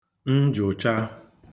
̀njụ̀cha